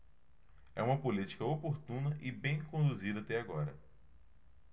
é uma política oportuna e bem conduzida até agora